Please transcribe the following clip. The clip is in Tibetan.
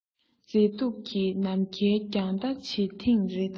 མཛེས སྡུག གི ནམ མཁའི རྒྱང ལྟ བྱེད ཐེངས རེ དང